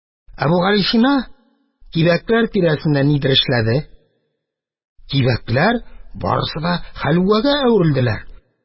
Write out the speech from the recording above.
Әбүгалисина кибәкләр тирәсендә нидер эшләде — кибәкләр барысы да хәлвәгә әверелделәр.